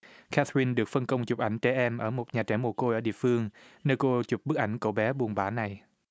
ca thơ rin được phân công chụp ảnh trẻ em ở một nhà trẻ mồ côi ở địa phương nơi cô chụp bức ảnh cậu bé buồn bã này